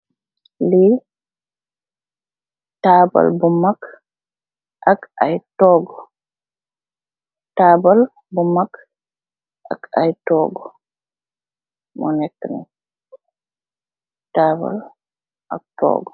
Lee table bu mag ak aye toogu, table bu mag ak aye toogu mu neka nee table ak toogu.